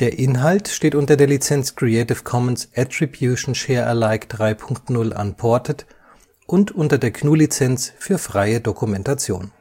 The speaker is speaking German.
Inhalt steht unter der Lizenz Creative Commons Attribution Share Alike 3 Punkt 0 Unported und unter der GNU Lizenz für freie Dokumentation